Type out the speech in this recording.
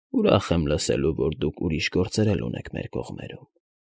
Ուրախ եմ լսելու, որ դուք ուրիշ գործեր էլ ունեք մեր կողմերում։